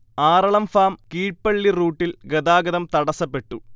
Aralam farm Keezhpally റൂട്ടിൽ ഗതാഗതം തടസ്സപ്പെട്ടു